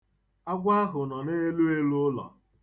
Agwọ ahụ nọ n'eluelu ụlọ.